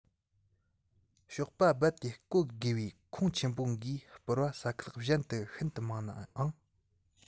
གཤོག པ རྦད དེ བཀོལ དགོས པའི ཁོངས ཆེན པོ འགའི སྦུར པ ས ཁུལ གཞན དུ ཤིན ཏུ མང ནའང